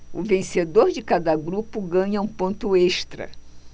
o vencedor de cada grupo ganha um ponto extra